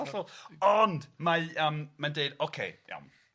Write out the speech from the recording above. ...hollol ond mae yym mae'n deud ocê iawn.